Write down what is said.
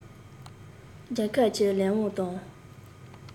རྒྱལ ཁབ ཀྱི ལས དབང དང